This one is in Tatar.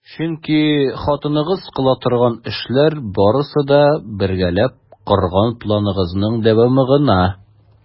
Чөнки хатыныгыз кыла торган эшләр барысы да - бергәләп корган планыгызның дәвамы гына!